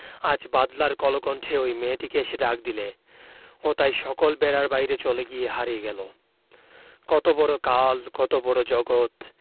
আজ বাদলার কলকণ্ঠে ঐ মেয়েটিকে এসে ডাক দিলে ও তাই সকল বেড়ার বাইরে চলে গিয়ে হারিয়ে গেল কত বড় কাল কত বড় জগত